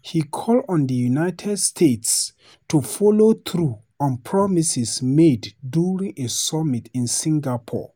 He called on the United States to follow through on promises made during a summit in Singapore